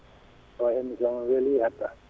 o émission weeli hedda